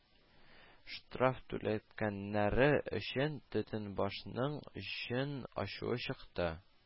Штраф түләткәннәре өчен Төтенбашның җен ачуы чыкты